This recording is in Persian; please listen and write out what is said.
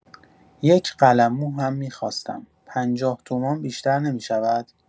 یک قلمو هم می‌خواستم، پنجاه تومان بیشتر نمی‌شود؟